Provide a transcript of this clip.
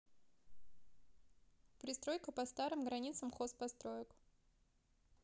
пристройка по старым границам хоз построек